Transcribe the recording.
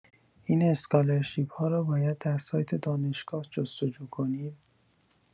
این اسکالر شیپ‌ها را باید در سایت دانشگاه جستجو کنیم؟